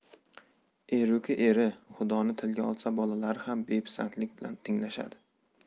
eri ku eri xudoni tilga olsa bolalari ham bepisandlik bilan tinglashadi